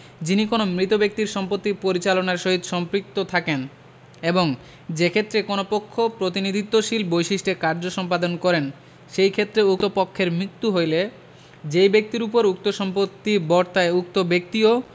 যিনি কোন মৃত ব্যক্তির সম্পত্তি পরিচালনার সহিত সম্পৃক্ত থাকেন এবং যেক্ষেত্রে কোন পক্ষ প্রতিনিধিত্বশীল বৈশিষ্ট্যে কার্য সম্পাদন করেন সেই ক্ষেত্রে উক্ত পক্ষের মৃত্যু হইলে যেই ব্যক্তির উপর উক্ত সম্পত্তি বর্তায় উক্ত ব্যক্তিও